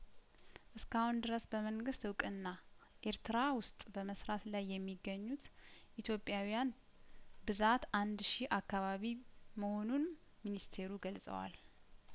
እስከአሁን ድረስ በመንግስት እውቅና ኤርትራ ውስጥ በመስራት ላይ የሚገኙት ኢትዮጵያውያን ብዛት አንድ ሺ አካባቢ መሆኑን ሚኒስቴሩ ገልጸዋል